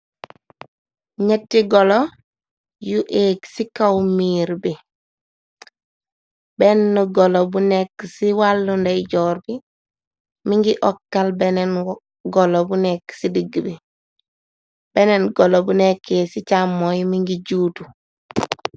Nyetti golo yu éég ci kawmiir bi bénnu golo bu nekk ci wàllu nday joor bi mi ngi okkal beneen golo bu nekk ci digg bi beneen golo bu nekkee ci chammoy mi ngi juutu.